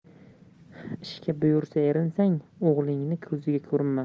ishga buyursa erinsang o'g'lingning ko'ziga ko'rinma